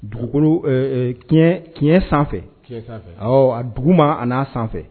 Dugukolo sanfɛ dugu ma ani n'a sanfɛ